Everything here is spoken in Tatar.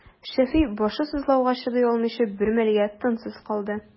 Шәфи, башы сызлауга чыдый алмыйча, бер мәлгә тынсыз калды.